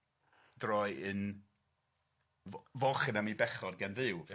droi yn fo- fochyn am 'i bechod gan Dduw. Ia.